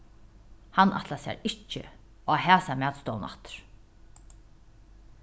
hann ætlar sær ikki á hasa matstovuna aftur